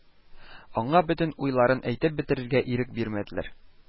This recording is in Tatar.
Аңа бөтен уйларын әйтеп бетерергә ирек бирмәделәр